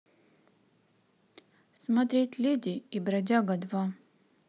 смотреть леди и бродяга два